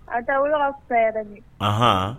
A taabolo ka fisa yɛrɛ de.